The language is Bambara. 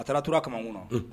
A taara toraura kamakun na